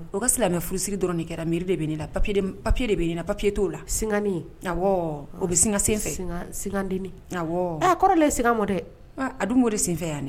O ka silamɛ furusigi dɔrɔn nin kɛra miiriri de bɛ ɲɛna na papiye papiye de bɛ ɲɛna na papiye t'o la sinin o bɛ sinka sen sinden a kɔrɔlen ye skan mɔ dɛ a dun o de senfɛ yan dɛ